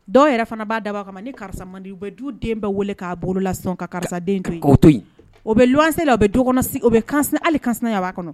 Dɔw yɛrɛ fana b'a dabaa kama ma ni karisa mandi u bɛ du den bɛɛ wele'a bolo la ka karisa to o bɛ luse o bɛ don kɔnɔ o ali ka b'a kɔnɔ